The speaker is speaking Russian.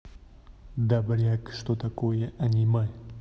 добряк что такое аниме